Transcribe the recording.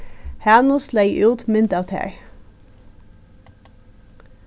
hanus legði út mynd av tær